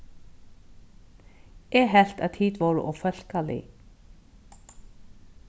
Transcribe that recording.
eg helt at tit vóru ófólkalig